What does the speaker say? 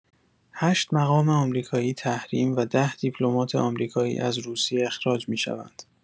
۸ مقام آمریکایی تحریم و ۱۰ دیپلمات آمریکایی از روسیه اخراج می‌شوند.